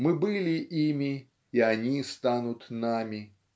Мы были ими, и они станут нами.